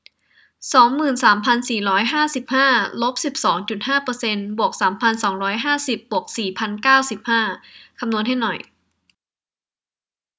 สองหมื่นสามพันสี่ร้อยห้าสิบห้าลบสิบสองจุดห้าเปอร์เซนต์บวกสามพันสองร้อยห้าสิบบวกสี่พันเก้าสิบห้าคำนวณให้หน่อย